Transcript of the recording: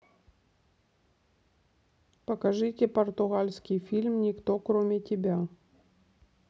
покажите португальский фильм никто кроме тебя